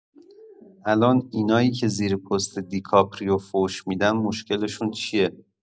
الان اینایی که زیر پست دیکاپریو فوش می‌دن مشکلشون چیه؟